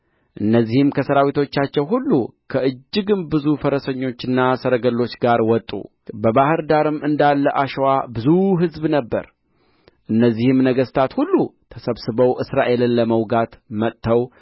እነዚህም ከሠራዊቶቻቸው ሁሉ ከእጅግም ብዙ ፈረሰኞችና ሠረገሎች ጋር ወጡ በባሕር ዳርም እንዳለ አሸዋ ብዙ ሕዝብ ነበረ እነዚህም ነገሥታት ሁሉ ተሰብስበው እስራኤልን ለመውጋት መጥተው